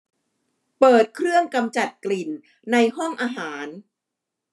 เปิดเครื่องกำจัดกลิ่นในห้องอาหาร